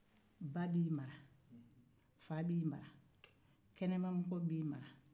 ba ni fa b'i mara kɛnɛmamɔgɔw b'i mara